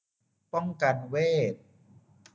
ป้องกันเวท